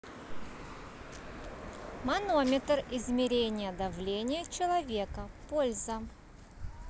манометр измерения давления человека польза